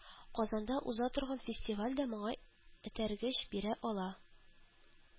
Казанда уза торган фестиваль дә моңа этәргеч бирә ала